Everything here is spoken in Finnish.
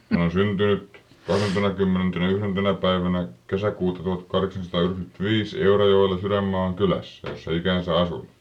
hän on syntynyt kahdentenakymmenentenäyhdentenä päivänä kesäkuuta tuhatkahdeksansataayhdeksänkymmentäviisi Eurajoella Sydänmaan kylässä jossa ikänsä asunut